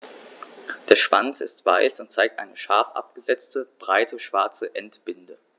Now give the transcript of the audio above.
Der Schwanz ist weiß und zeigt eine scharf abgesetzte, breite schwarze Endbinde.